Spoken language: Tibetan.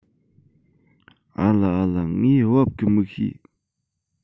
ཨ ལ ཨ ལ ངས བབ གི མ ཤེས